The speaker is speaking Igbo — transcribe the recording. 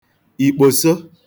ìkpòso